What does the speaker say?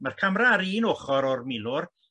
ma'r camra ar un ochor o'r milwr